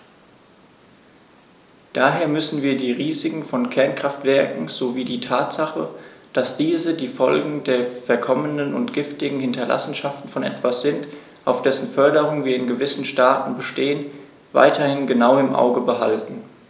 Daher müssen wir die Risiken von Kernkraftwerken sowie die Tatsache, dass diese die Folgen der verkommenen und giftigen Hinterlassenschaften von etwas sind, auf dessen Förderung wir in gewissen Staaten bestehen, weiterhin genau im Auge behalten.